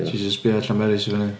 Ti isio sbio Llaneris i fyny?